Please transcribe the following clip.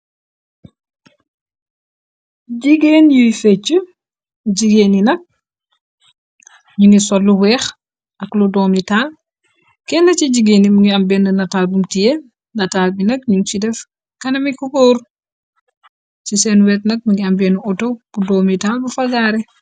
jigéen yuy fecc jigéen yi nak ñu ngi sollu weex ak lu doomi taal kenn ci jigéen i mingi am benn nataal bumtiyee nataal bi nak ñuñ ci def kana mi kokóor ci seen wet nak mi ngi am benn auto bu doomi taal bu fagaare